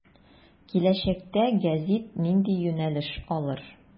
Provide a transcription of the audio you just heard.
Киләчәктә гәзит нинди юнәлеш алыр.